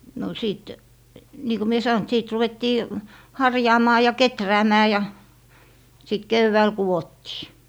no sitten niin kun minä sanoin että sitten ruvettiin harjaamaan ja kehräämään ja sitten keväällä kudottiin